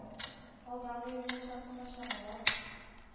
Алдагы юлны чак кына чамалап,